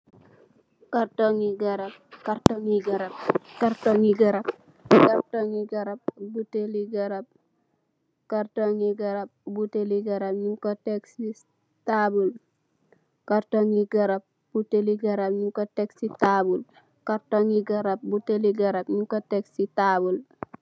Karton ngy garab, karton ngy garab, karton ngy garab, karton ngy garab, buteli garab, karton ngy garab, buteli garab njung kor tek cii taabul bii, karton ngy garab, buteli garab njung kor tek cii taabul bii, karton ngy garab, buteli garab njung kor tek cii taabul bii.